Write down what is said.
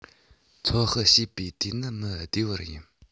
ཚོད དཔག བྱས པ དེ ནི མི བདེ བར ཡིན